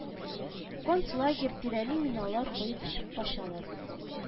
Концлагерь тирәли миналар куеп чык качалар